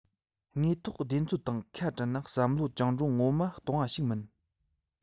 དངོས ཐོག བདེན འཚོལ དང ཁ བྲལ ན བསམ བློ བཅིངས འགྲོལ ངོ མ གཏོང བ ཞིག མིན